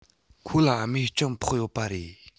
ཁོ ལ རྨས སྐྱོན ཕོག ཡོད པ རེད